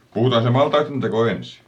puhutaan se maltaiden teko ensin